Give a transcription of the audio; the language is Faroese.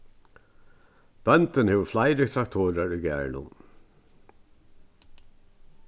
bóndin hevur fleiri traktorar í garðinum